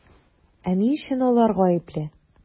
Ә ни өчен алар гаепле?